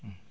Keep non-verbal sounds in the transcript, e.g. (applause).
(hesitation) (hesitation)